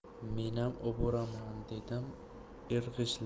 menam oboraman dedim irg'ishlab